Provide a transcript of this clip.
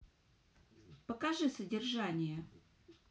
покажи содержание